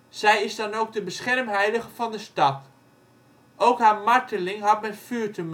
Zij is dan ook beschermheilige van de stad. Ook haar marteling had met vuur te maken